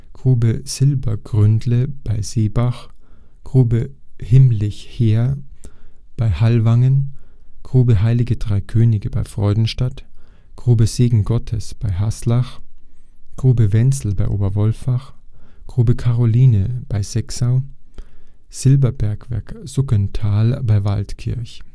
Grube Silbergründle bei Seebach, Grube Himmlich Heer bei Hallwangen, Grube Heilige Drei Könige bei Freudenstadt, Grube Segen Gottes bei Haslach, Grube Wenzel bei Oberwolfach, Grube Caroline bei Sexau, Silberbergwerk Suggental bei Waldkirch